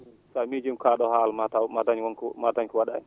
so a miijiima kaa ?oo haala maa taw ma dañ ko maa dañ wonko wa?aani